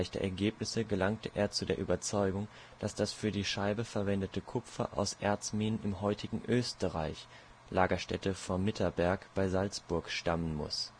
der Ergebnisse gelangte er zu der Überzeugung, dass das für die Scheibe verwendete Kupfer aus Erzminen im heutigen Österreich (Lagerstätte vom Mitterberg bei Salzburg) stammen muss